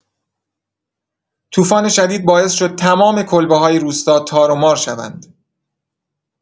طوفان شدید باعث شد تمام کلبه‌های روستا تارومار شوند.